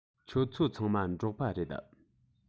ཁྱོད ཚོ ཚང མ འབྲོག པ རེད